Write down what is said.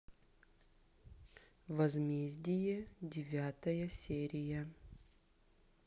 возмездие девятая серия